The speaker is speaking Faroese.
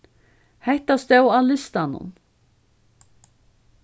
hetta stóð á listanum